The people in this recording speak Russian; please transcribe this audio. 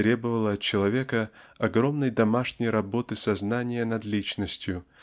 требовало от человека огромной домашней работы сознания над личностью